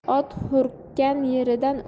ot hurkkan yeridan